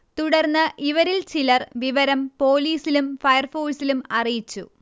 തുടർന്ന് ഇവരിൽ ചിലർ വിവരം പോലീസിലും ഫയർഫോഴ്സിലും അറിയിച്ചു